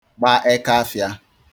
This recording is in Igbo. gba ekaafị̄ā